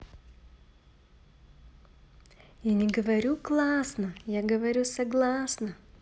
я не говорю классно я говорю согласна